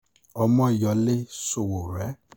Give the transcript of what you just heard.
Omoyole Sowore